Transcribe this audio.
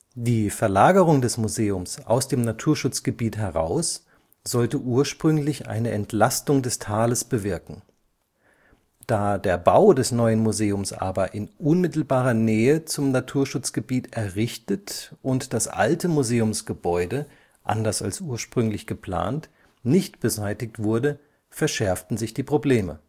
Die Verlagerung des Museums aus dem Naturschutzgebiet heraus sollte ursprünglich eine Entlastung des Tales bewirken. Da der Bau des neuen Museums aber in unmittelbarer Nähe zum Naturschutzgebiet errichtet und das alte Museumsgebäude, anders als ursprünglich geplant, nicht beseitigt wurde, verschärften sich die Probleme